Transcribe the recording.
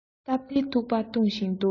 སྟབས བདེའི ཐུག པ འཐུང བཞིན འདུག